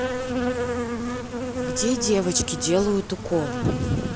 где девочки делают укол